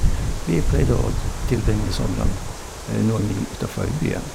Vi pleide å t tilbringe somrene noen mil utafor byen.